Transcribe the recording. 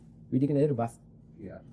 Dwi 'di gneud rywbath. Ia.